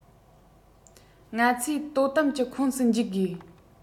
ང ཚོས དོ དམ གྱི ཁོངས སུ འཇུག དགོས